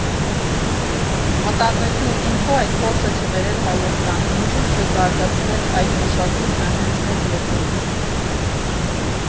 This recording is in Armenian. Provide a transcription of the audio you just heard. Մտածեցին՝ ինչո՞ւ այդ փորձը չբերել Հայաստան, ինչո՞ւ չզարգացնել այդ մշակույթը հենց մե՛ր երկրում։